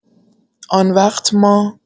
آنوقت ما..